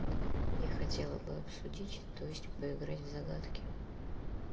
я бы хотела обсудить то есть поиграть в загадки